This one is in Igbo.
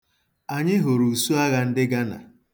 Anyị hụrụ usuagha ndị Gana.